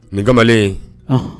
Nin kamalen in, anhan